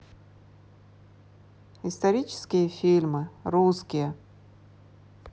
исторические фильмы русские